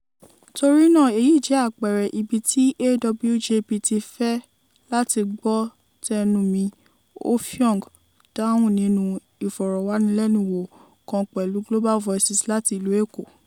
Torí náà èyí jẹ́ àpẹẹrẹ ibi tí AWJP ti fẹ́ láti gbọ́ tẹnu mi," Offiong dáhùn nínú ìfọ̀rọ̀wánilẹ́nuwò kan pẹ̀lú Global Voices láti ìlú Èkó.